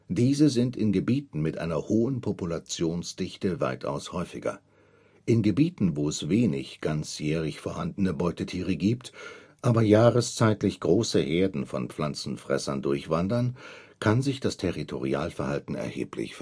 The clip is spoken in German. diese sind in Gebieten mit einer hohen Populationsdichte weitaus häufiger. In Gebieten, wo es wenig ganzjährig vorhandene Beutetiere gibt, aber jahreszeitlich große Herden von Pflanzenfressern durchwandern, kann sich das Territorialverhalten erheblich